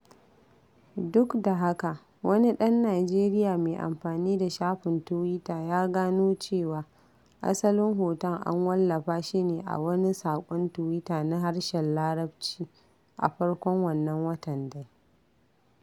Duk da haka, wani ɗan Nijeriya mai amfani da shafin tuwita ya gano cewa asalin hoton an wallafa shi ne a wani saƙon tuwita na harshen Larabci a farkon wannan watan dai.